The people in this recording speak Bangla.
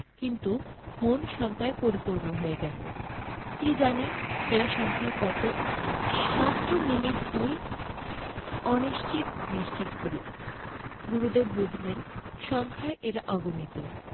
কিন্তু মন শঙ্কায় পরিপূর্ণ হয়ে গেল কি জানি এরা সংখ্যায় কত মাত্র মিনিট দুই অনিশ্চিত নিশ্চিত হলো গুরুদেব বুঝলেন সংখ্যায় এরা অগণিত